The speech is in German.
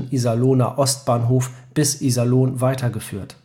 Iserlohner Ostbahnhof bis Iserlohn weitergeführt